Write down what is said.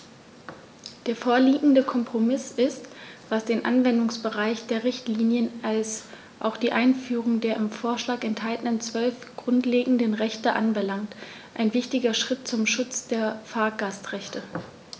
Der vorliegende Kompromiss ist, was den Anwendungsbereich der Richtlinie als auch die Einführung der im Vorschlag enthaltenen 12 grundlegenden Rechte anbelangt, ein wichtiger Schritt zum Schutz der Fahrgastrechte.